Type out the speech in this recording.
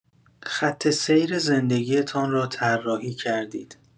خط سیر زندگی‌تان را طراحی کردید.